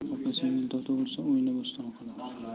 opa singil totuv bo'lsa uyni bo'ston qilar